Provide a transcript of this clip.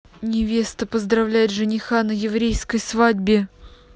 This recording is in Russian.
невеста поздравляет жениха на еврейской свадьбе